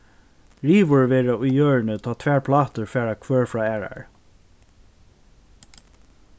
rivur verða í jørðini tá tvær plátur fara hvør frá aðrari